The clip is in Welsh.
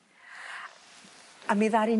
A mi ddaru...